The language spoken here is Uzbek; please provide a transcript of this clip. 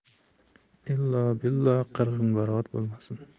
illo billo qirg'inbarot bo'lmasin